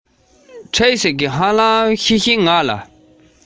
རྐང འཁོར གྱི འཁོར ལོའི འགྱིག